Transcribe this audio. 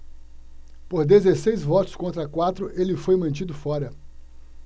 por dezesseis votos contra quatro ele foi mantido fora